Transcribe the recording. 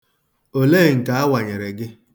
Olee nke a wanyere gị?